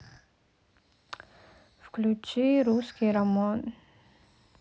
включи русский роман